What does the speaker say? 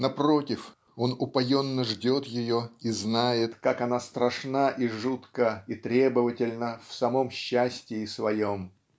напротив, он упоенно ждет ее и знает, как она страшна, и жутка, и требовательна в самом счастье своем